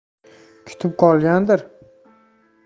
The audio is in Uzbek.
kutib qolgandir